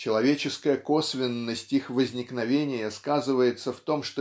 Человеческая косвенность их возникновения сказывается в том